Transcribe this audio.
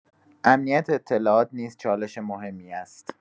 امنیت اطلاعات نیز چالش مهمی است.